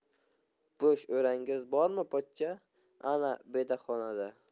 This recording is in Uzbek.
bo'sh o'rangiz bormi pochcha ana bedaxonada